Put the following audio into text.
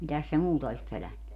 mitäs se muuta olisi pelännyt